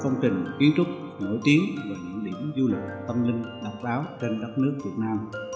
những công trình kiến trúc nổi tiếng và những điềm du lịch tâm linh độc đáo trên khắp đất nước việt nam